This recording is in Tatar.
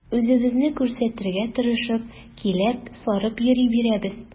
Үзебезне күрсәтергә тырышып, киләп-сарып йөри бирәбез.